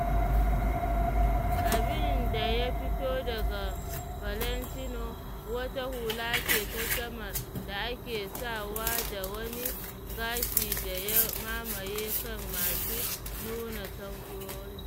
Abin da ya fito daga Valentino wata hula ce ta sama da ake sawa da wani gashi da ya mamaye kan masu nuna samfurorin.